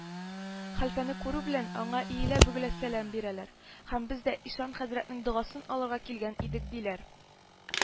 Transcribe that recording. Хәлфәне күрү белән аңа иелә-бөгелә сәлам бирәләр һәм, без дә ишан хәзрәтнең догасын алырга килгән идек, диләр